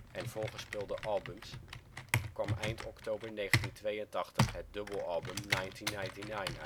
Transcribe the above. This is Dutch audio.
en volgespeelde albums, kwam eind oktober 1982 het dubbelalbum 1999 uit